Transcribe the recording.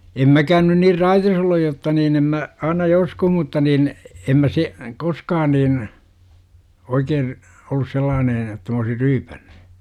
en minäkään nyt niin raitis ollut jotta niin en minä aina joskus mutta niin en minä se koskaan niin oikein ollut sellainen että minä olisin ryypännyt